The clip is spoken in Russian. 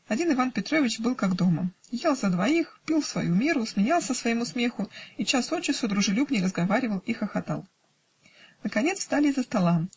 Один Иван Петрович был как дома: ел за двоих, пил в свою меру, смеялся своему смеху и час от часу дружелюбнее разговаривал и хохотал. Наконец встали из-за стола